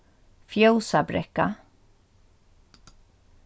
fjósabrekka